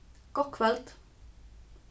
gott kvøld